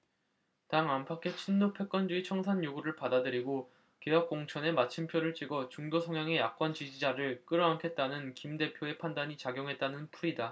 당 안팎의 친노패권주의 청산 요구를 받아들이고 개혁공천의 마침표를 찍어 중도성향의 야권 지지자를 끌어안겠다는 김 대표의 판단이 작용했다는 풀이다